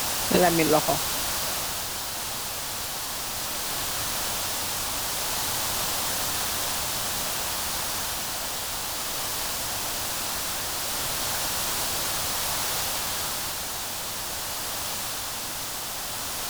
Laami loxo